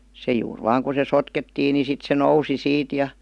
se juuri vain kun se sotkettiin niin sitten se nousi siitä ja